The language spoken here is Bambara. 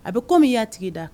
A bɛ kɔ min ya tigi da